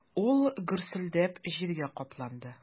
Ул гөрселдәп җиргә капланды.